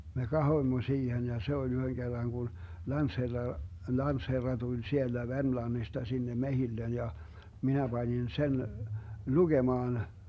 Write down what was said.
me katsoimme siihen ja se oli yhden kerran kun lantsherra lantsherra tuli sieltä Vermlannista sinne metsille ja minä panin sen lukemaan